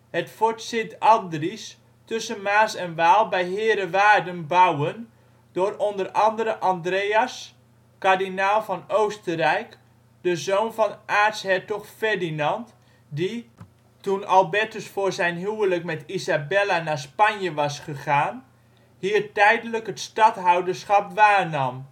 het Fort Sint-Andries tussen Maas en Waal bij Heerewaarden bouwen door o.a. Andreas, kardinaal van Oostenrijk, de zoon van aartshertog Ferdinand, die, toen Albertus voor zijn huwelijk met Isabella naar Spanje was gegaan, hier tijdelijk het stadhouderschap waarnam